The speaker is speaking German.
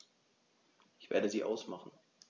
Ich werde sie ausmachen.